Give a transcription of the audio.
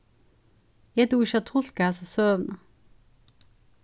eg dugi ikki at tulka hasa søguna